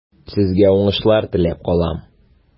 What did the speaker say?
Сезгә уңышлар теләп калам.